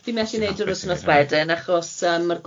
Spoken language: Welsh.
Ie, dwi methu neud yr wsnos wedyn achos yym ma'r